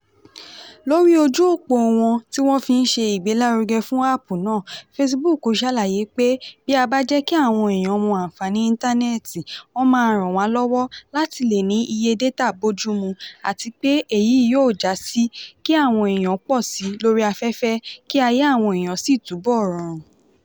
Lóri ojú òpo wọn tí wọ́n fi ń ṣe ìgbélárugẹ fún áàpù náà, Facebook ṣàlàyé pé “[bí] a bá jẹ́ kí àwọn eèyàn mọ anfààní Íntánẹ̀ẹ̀tì” wọ́n máa ràn wà lọ́wọ́ láti lè ní iye data bójúmu àti pé èyí yóò sì já sí “kí àwọn eèyàn pọ̀ sí lórí afẹ́fẹ́ kí ayé àwọn eèyàn sì túbọ̀ rọrùn”.